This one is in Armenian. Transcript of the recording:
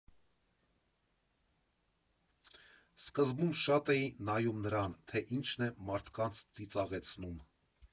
Սկզբում շատ էի նայում նրան, թե ինչն է մարդկանց ծիծաղեցնում։